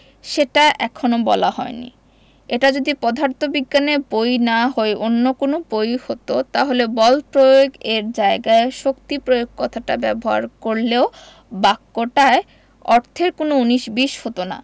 সেটা এখনো বলা হয়নি এটা যদি পদার্থবিজ্ঞানের বই না হয়ে অন্য কোনো বই হতো তাহলে বল প্রয়োগএর জায়গায় শক্তি প্রয়োগ কথাটা ব্যবহার করলেও বাক্যটায় অর্থের কোনো উনিশবিশ হতো না